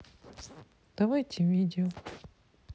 давайте видео